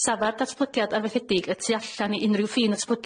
Safa'r datblygiad arfeithedig y tu allan i unrhyw ffin datblygu